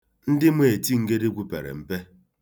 Ndị ma eti ngedegwu pere mpe.